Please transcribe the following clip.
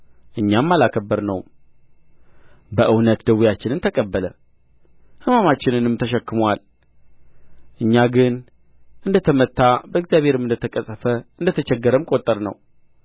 እኛም አላከበርነውም በእውነት ደዌያችንን ተቀበለ ሕመማችንንም ተሸክሞአል እኛ ግን እንደ ተመታ በእግዚአብሔርም እንደ ተቀሠፈ እንደ ተቸገረም ቈጠርነው